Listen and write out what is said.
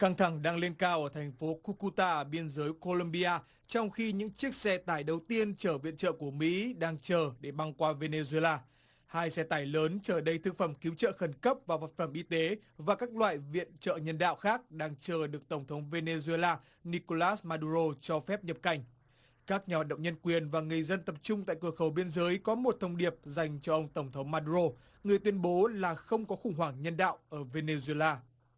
căng thẳng đang lên cao ở thành phố của cu cu ta ở biên giới cô lôm bi a trong khi những chiếc xe tải đầu tiên trở viện trợ của mỹ đang chờ để băng qua vê nê duê la hai xe tải lớn chở đầy thực phẩm cứu trợ khẩn cấp và vật phẩm y tế và các loại viện trợ nhân đạo khác đang chờ được tổng thống vê nê duê la ni cô lát ma đu rô cho phép nhập cảnh các nhà hoạt động nhân quyền và người dân tập trung tại cửa khẩu biên giới có một thông điệp dành cho ông tổng thống ma đu rô người tuyên bố là không có khủng hoảng nhân đạo ở vê nê duê la